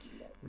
waaw